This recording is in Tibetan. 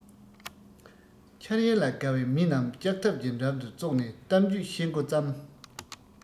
འཆར ཡན ལ དགའ བའི མི རྣམས ལྕགས ཐབ གྱི འགྲམ དུ ཙོག ནས གཏམ རྒྱུད བཤད མགོ བརྩམས